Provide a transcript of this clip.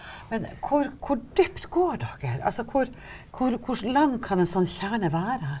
men hvor hvor dypt går dere, altså hvor hvor hvor lang kan en sånn kjerne være?